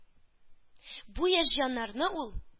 Бу яшь җаннарны ул